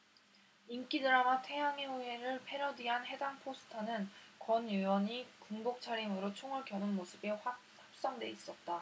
인기 드라마 태양의 후예를 패러디한 해당 포스터는 권 의원이 군복 차림으로 총을 겨눈 모습이 합성돼 있었다